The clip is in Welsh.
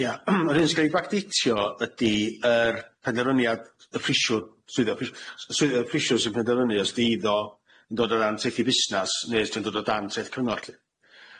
Ie yr un sy'n g'od i bacdeitio ydi yr penderyniad y ffrisiwr swyddi y ffri- s- swyddi y ffrisiwr sy'n penderynnu os di eiddo yn dod o ran teithi busnas ne' os di'n dod o dan teith cyngor lly.